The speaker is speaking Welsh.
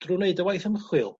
drw' neud dy waith ymchwil